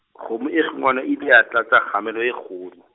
kgomo e kgunwana e ile ya tlatsa kgamelo e kgolo.